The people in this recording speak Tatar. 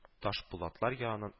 Ташпулатлар яныннан